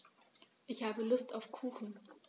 Ich habe Lust auf Kuchen.